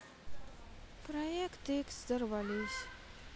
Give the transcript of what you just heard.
проект икс дорвались